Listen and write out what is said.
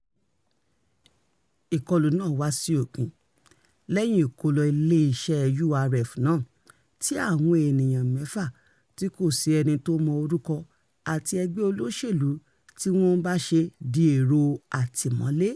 Ìkọlù náà wá sí òpin lẹ́yìn-in ìkólọ iléeṣẹ́ URF náà tí àwọn ènìyàn mẹ́fà tí kò sí ẹni tó mọ orúkọ àti ẹgbẹ́ olóṣèlú tí wọ́n ń bá ṣe di èrò àtìmọ́lé.